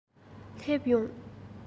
སླེབས ཡོང